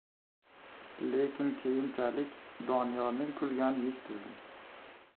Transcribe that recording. lekin keyinchalik doniyorning kulgani eshitildi